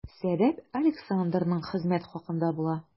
Сәбәп Александрның хезмәт хакында була.